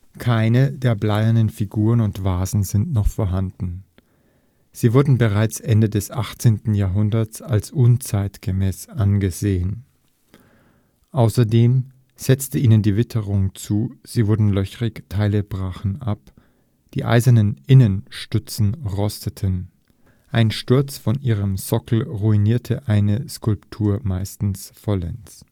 Keine der bleiernen Figuren und Vasen ist noch vorhanden. Sie wurden bereits Ende des 18. Jahrhunderts als unzeitgemäß angesehen. Außerdem setzte ihnen die Witterung zu, sie wurden löcherig, Teile brachen ab, die eisernen Innenstützen rosteten – ein Sturz von ihrem Sockel ruinierte eine Skulptur meist vollends